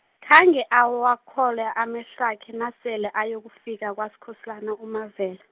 khange awakholwe amehlwakhe, nasele ayokufika kwaSkhosana, uMavela.